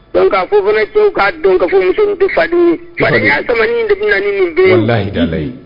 Don ka ko ka fa famani de